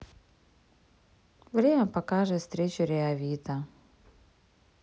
время покажет встречу реавита